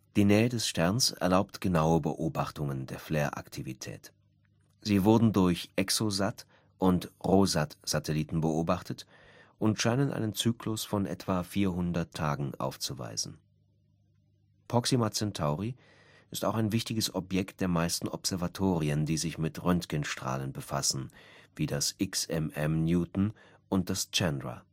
Die Nähe des Sterns erlaubt genaue Beobachtungen der Flareaktivität. Sie wurden durch EXOSAT - und ROSAT-Satelliten beobachtet und scheinen einen Zyklus von etwa 400 Tagen aufzuweisen. Proxima Centauri ist auch ein wichtiges Objekt der meisten Observatorien, die sich mit Röntgenstrahlen befassen, wie das XMM-Newton und das Chandra